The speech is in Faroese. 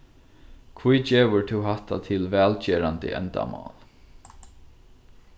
hví gevur tú hatta til vælgerandi endamál